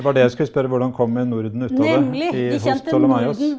det var det jeg skulle spørre hvordan kom med Norden ut av det hos Ptolemaios?